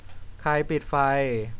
ใครปิดไฟ